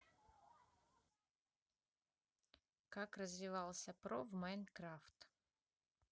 как развивался про в minecraft